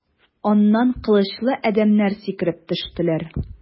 Аннан кылычлы адәмнәр сикереп төштеләр.